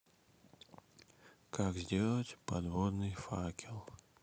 как сделать подводный факел